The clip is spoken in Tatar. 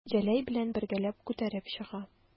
Җәләй белән бергәләп күтәреп чыга.